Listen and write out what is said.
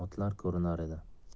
otlar ko'rinar edi